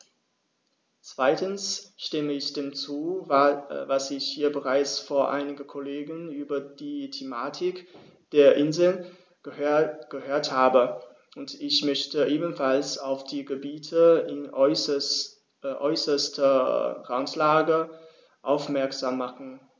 Zweitens stimme ich dem zu, was ich hier bereits von einem Kollegen über die Thematik der Inseln gehört habe, und ich möchte ebenfalls auf die Gebiete in äußerster Randlage aufmerksam machen.